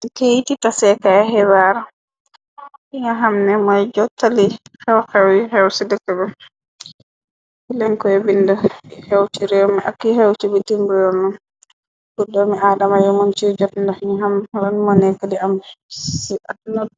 Ci keyi ti taseekaya xibaar yi nga xamne mooy jottali xew-xew yu xew ci dëkk bi. Ci lenkoy bind xew ci réeme akyi xew ci bi timb yoonn budomi adama yu mën ci jot. Ndax ñu xam lañ mone ka di am ci ak noot.